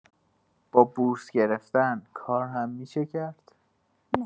با بورس گرفتن کار هم می‌شه کرد؟